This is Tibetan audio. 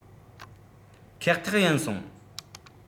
ཁེག ཐེག ཡིན སོང